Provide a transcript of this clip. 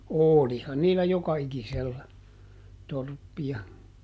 olihan niillä joka ikisellä torppia